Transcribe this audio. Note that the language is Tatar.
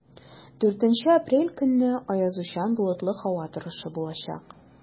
4 апрель көнне аязучан болытлы һава торышы булачак.